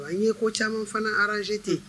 Wa n ye ko caman fana zete